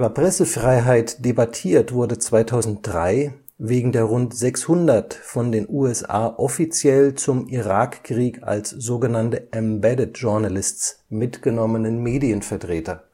Pressefreiheit debattiert wurde 2003 wegen der rund 600 von den USA offiziell zum Irakkrieg als “Embedded Journalists” mitgenommenen Medienvertreter